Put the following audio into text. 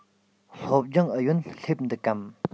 སློབ སྦྱོང ཨུ ཡོན སླེབས འདུག གམ